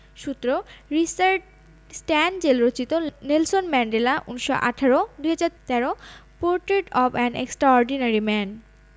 সূত্র Richard Stengel রচিত Nelson Mandela ১৯১৮ ২০১৩ portrait of an extraordinary man